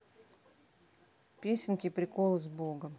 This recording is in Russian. песенки и приколы с богом